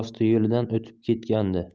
osti yo'lidan o'tib ketgandi